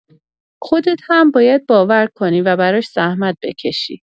خودت هم باید باور کنی و براش زحمت بکشی.